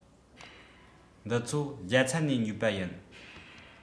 འདི ཚོ རྒྱ ཚ ནས ཉོས པ ཡིན